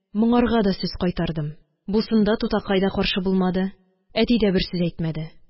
Моңарга да сүз кайтардым. бусында тутакай да каршы булмады, әти дә бер сүз әйтмәде.